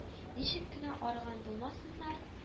Ничек кенә арыган булмасыннар